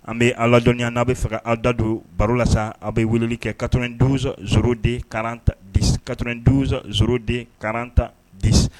An bɛ alajya n' aa bɛ faga aw dadon baro la sa a bɛ wulili kɛ kat zo de katren zoden karanta di